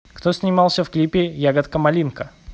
кто снимался в клипе ягодка малинка